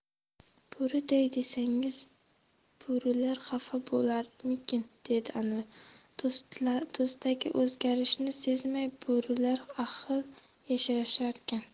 bo'riday desangiz bo'rilar xafa bo'larmikin dedi anvar do'stidagi o'zgarishni sezmay bo'rilar ahil yashasharkan